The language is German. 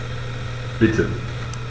Bitte.